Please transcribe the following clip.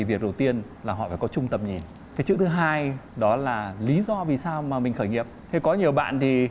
việc đầu tiên là họ phải có chung tầm nhìn cái chữ thứ hai đó là lý do vì sao mà mình khởi nghiệp khi có nhiều bạn thì